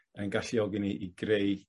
yn galluogi ni i greu